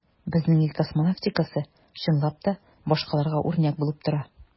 Безнең ил космонавтикасы, чынлап та, башкаларга үрнәк булып тора.